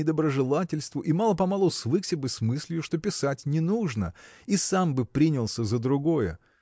недоброжелательству и мало-помалу свыкся бы с мыслью что писать не нужно и сам бы принялся за другое.